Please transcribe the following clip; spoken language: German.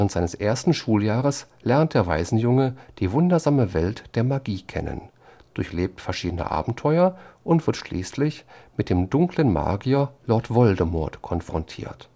seines ersten Schuljahres lernt der Waisenjunge die wundersame Welt der Magie kennen, durchlebt verschiedene Abenteuer und wird schließlich mit dem dunklen Magier Lord Voldemort konfrontiert